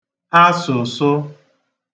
asụ̀sụ